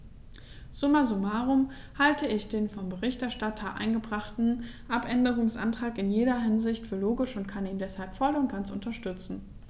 Summa summarum halte ich den von dem Berichterstatter eingebrachten Abänderungsantrag in jeder Hinsicht für logisch und kann ihn deshalb voll und ganz unterstützen.